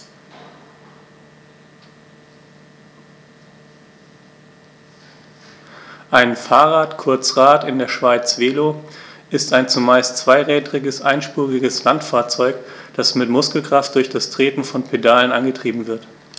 Ein Fahrrad, kurz Rad, in der Schweiz Velo, ist ein zumeist zweirädriges einspuriges Landfahrzeug, das mit Muskelkraft durch das Treten von Pedalen angetrieben wird.